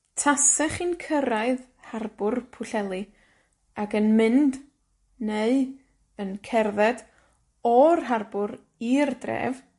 Tasech chi'n cyrraedd harbwr Pwllheli, ag yn mynd, neu, yn cerdded o'r harbwr i'r dref,